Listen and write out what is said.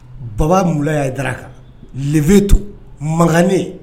Baba munulala y'a da a kan beetu manen